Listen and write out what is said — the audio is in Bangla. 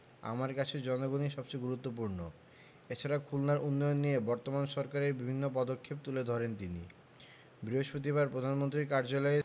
আমার কাছে জনগণই সবচেয়ে গুরুত্বপূর্ণ এছাড়া খুলনার উন্নয়ন নিয়ে বর্তমান সরকারের বিভিন্ন পদক্ষেপ তুলে ধরেন তিনি বৃহস্পতিবার প্রধানমন্ত্রীর কার্যালয়ে